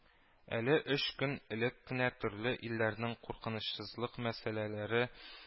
Әле өч көн элек кенә төрле илләрнең куркынычсызлык мәсьәләләре